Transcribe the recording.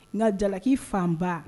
Nka jalalaki fanba